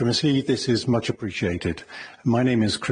the committee, this is much appreciated, my name is